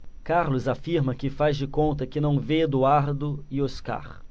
carlos afirma que faz de conta que não vê eduardo e oscar